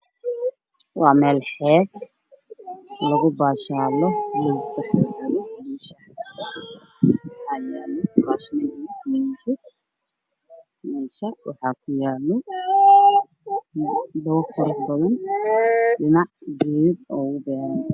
Waa meel banaan waxaa yaalo kuraas miisaas waa xeeb ta kuraasta midabkoodu waa qaxbi dhulka waa mutuel dahabi